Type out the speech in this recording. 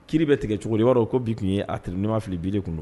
Kiri bɛ tigɛ cogo b'a dɔn ko bi tun ye a tir niinmaa fili bi de tun don